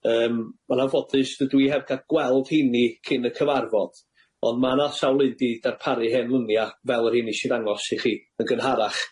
Yym, yn anffodus dydw i heb ga'l gweld 'heini cyn y cyfarfod, ond ma' 'na sawl un 'di darparu hen lynia fel yr un nesh i ddangos i chi yn gynharach.